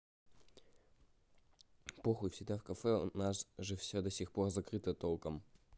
похуй всегда в кафе у нас же все до сих пор закрыто толком